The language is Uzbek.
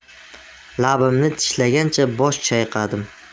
labimni tishlagancha bosh chayqadim